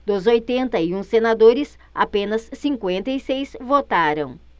dos oitenta e um senadores apenas cinquenta e seis votaram